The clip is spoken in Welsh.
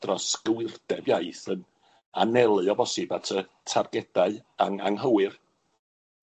dros gywirdeb iaith yn anelu o bosib at y targedau ang- anghywir.